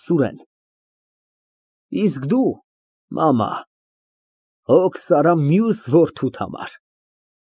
ՍՈՒՐԵՆ ֊ Իսկ դու, մամա, հոգս արա մյուս որդուդ համար։